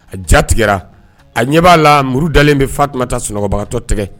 A jatigɛ a ɲɛ b'a la muru dalen bɛ fatumata sunɔgɔbagatɔ tigɛ